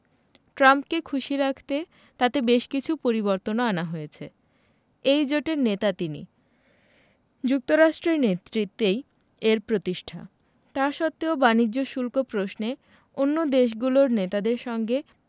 ট্রাম্পকে খুশি রাখতে তাতে বেশ কিছু পরিবর্তনও আনা হয়েছে এই জোটের নেতা তিনি যুক্তরাষ্ট্রের নেতৃত্বেই এর প্রতিষ্ঠা তা সত্ত্বেও বাণিজ্য শুল্ক প্রশ্নে অন্য দেশগুলোর নেতাদের সঙ্গে